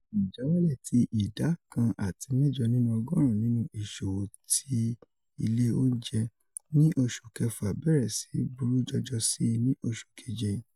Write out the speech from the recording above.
Ìjáwálẹ̀ ti ìdá 1.8 nínú ọgọ́ọ̀rún nínú ìṣòwò ti ilé óùnjẹ ní Oṣù Kẹfà bẹ̀rẹ̀ síì burú jọjọ síì ní Oṣù keje.